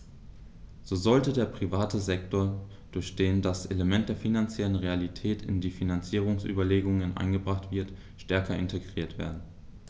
So sollte der private Sektor, durch den das Element der finanziellen Realität in die Finanzierungsüberlegungen eingebracht wird, stärker integriert werden.